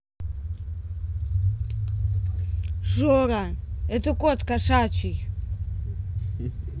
жора это кот кошачий